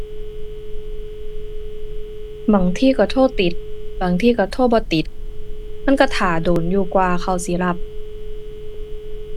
บางทีก็โทรติด บางทีก็โทรบ่ติด มันก็ท่าโดนอยู่กว่าเขาสิรับ